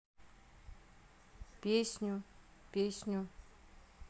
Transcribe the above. песню